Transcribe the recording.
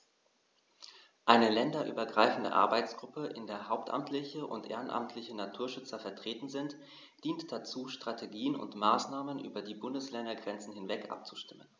Eine länderübergreifende Arbeitsgruppe, in der hauptamtliche und ehrenamtliche Naturschützer vertreten sind, dient dazu, Strategien und Maßnahmen über die Bundesländergrenzen hinweg abzustimmen.